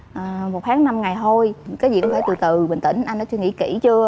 à một tháng năm ngày thôi cái gì cũng phải từ từ bình tĩnh anh đã suy nghĩ kĩ chưa